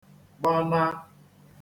gbana